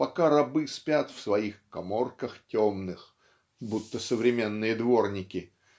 пока рабы спят в своих "коморках темных" (будто современные дворники)